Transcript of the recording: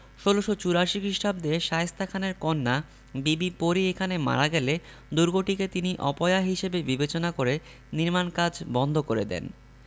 ১৬৮৪ খ্রিস্টাব্দে শায়েস্তা খানের কন্যা বিবি পরী এখানে মারা গেলে দুর্গটিকে তিনি অপয়া হিসেবে বিবেচনা করে নির্মাণ কাজ বন্ধ করে দেন